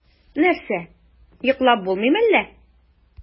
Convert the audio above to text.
Нәрсә, йоклап булмыймы әллә?